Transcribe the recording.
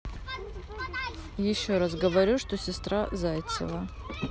еще раз говорю что сестра зайцева